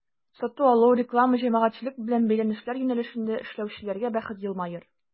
Сату-алу, реклама, җәмәгатьчелек белән бәйләнешләр юнәлешендә эшләүчеләргә бәхет елмаер.